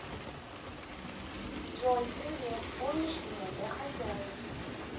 джой привет помнишь меня я хозяин